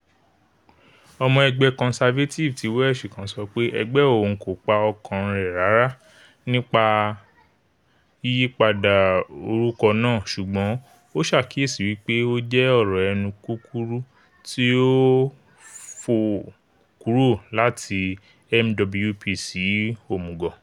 Ọmọ ẹgbẹ́ Conservative ti Welsh kan sọpé ẹgbẹ́ òun “kò pa ọkàn rẹ rárá” nípa yíyípadà orúkọ náà, ṣùgbọ́n ó ṣàkíyèsí wípé ó jẹ́ ọ̀rọ̀ ẹnu kúkúrú ti ó fò kúrò láti MWP sí Omugọ.